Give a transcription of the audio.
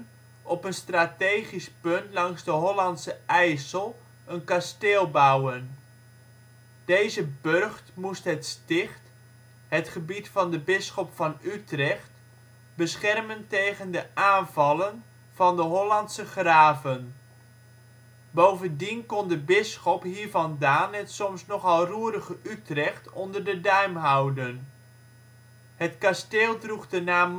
strategisch punt langs de Hollandse IJssel een kasteel bouwen. Deze burcht moest het Sticht – het gebied van de bisschop van Utrecht – beschermen tegen de aanvallen van de Hollandse graven. Bovendien kon de bisschop hiervandaan het soms nogal roerige Utrecht onder de duim houden. Het kasteel droeg de naam